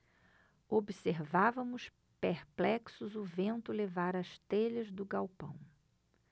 observávamos perplexos o vento levar as telhas do galpão